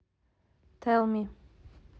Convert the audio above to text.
тэлл ми